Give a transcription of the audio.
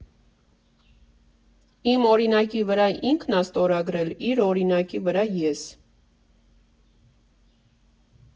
Իմ օրինակի վրա ինքն ա ստորագրել, իր օրինակի վրա՝ ես։